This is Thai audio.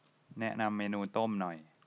แนะนำเมนูต้มหน่อย